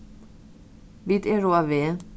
vit eru á veg